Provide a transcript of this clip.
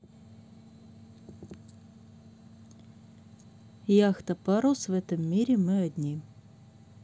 яхта парус в этом мире только мы одни